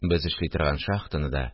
Без эшли торган шахтаны да